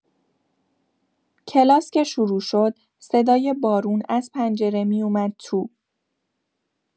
کلاس که شروع شد، صدای بارون از پنجره می‌اومد تو.